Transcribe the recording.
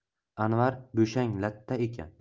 anvar bo'shang latta ekan